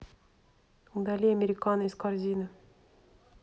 удали американо из корзины